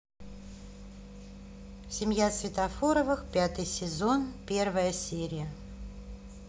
семья светофоровых пятый сезон первая серия